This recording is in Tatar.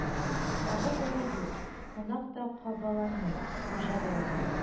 Ыгы-зыгы юк, кунак та кабаланмый, хуҗа да үзен